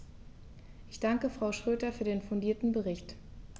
Ich danke Frau Schroedter für den fundierten Bericht.